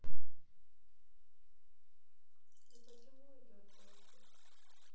ну почему идет дождик